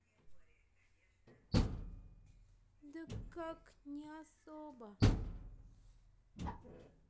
да как не особо